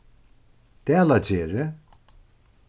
dalagerði